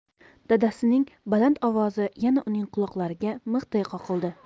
dadasining baland ovozi yana uning quloqlariga mixday qoqildi